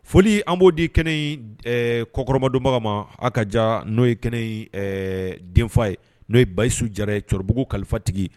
Foli an b'o di kɛnɛ in ɛɛ kɔkɔrɔmadonbaga ma, a ka diya, n'o ye kɛnɛ ɛɛ denfa ye, n'o ye Bayisu Jara ye Cɔribugu kalifatigi.